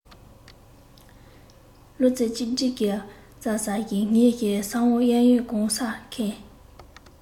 བློ རྩེ གཅིག སྒྲིམ གྱིས རྩྭ ཟ བཞིན ངའི སར འོང གཡས གཡོན གང སར ཁེངས